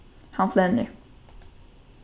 hann flennir